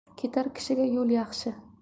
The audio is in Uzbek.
ketar kishiga yo'l yaxshi